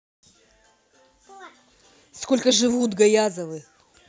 сколько живут гаязовы